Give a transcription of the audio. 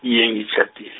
iye ngitjhadi-.